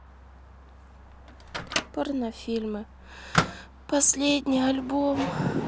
порнофильмы последний альбом